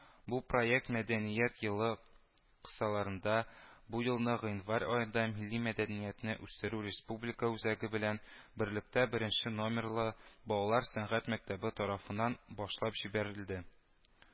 Бу проект Мәдәният елы кысаларында бу елны гыйнвар аенда Милли мәдәниятне үстерү республика үзәге белән берлектә беренче номерлы Балалар сәнгать мәктәбе тарафыннан башлап җибәрелде